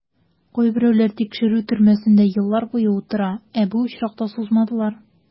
Кайберәүләр тикшерү төрмәсендә еллар буе утыра, ә бу очракта сузмадылар.